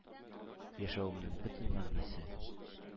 Яшәвемнең бөтен мәгънәсе.